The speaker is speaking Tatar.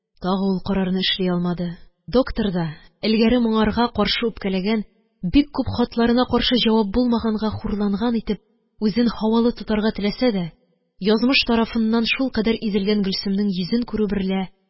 Тагы ул карарны эшли алмады. доктор да элгәре моңарга каршы үпкәләгән, бик күп хатларына каршы җавап булмаганга хурланган итеп үзен һавалы тотарга теләсә дә, язмыш тарафыннан шулкадәр изелгән гөлсемнең йөзен күрү берлә,